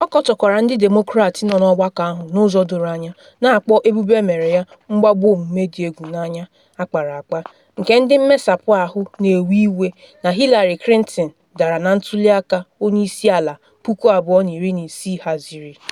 Ọ kọtọkwara ndị Demokrat nọ n’ọgbakọ ahụ n’ụzọ doro anya, na akpọ ebubo emere ya “mgbagbu omume dị egwu n’anya, akpara akpa” nke ndị mmesapụ ahụ na ewe iwe na Hillary Clinton dara na ntuli aka onye isi ala 2016 haziri.